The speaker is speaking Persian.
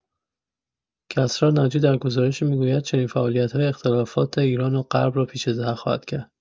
کسری ناجی در گزارشی می‌گوید چنین فعالیت‌هایی اختلافات ایران و غرب را پیچیده‌تر خواهد کرد